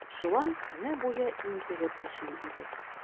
Шулай көне буе интегеп эшли идек.